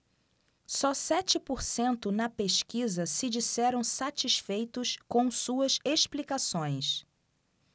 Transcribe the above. só sete por cento na pesquisa se disseram satisfeitos com suas explicações